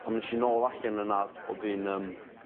Pan esh i nôl allan yna o' fi'n yym